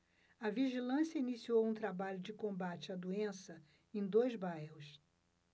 a vigilância iniciou um trabalho de combate à doença em dois bairros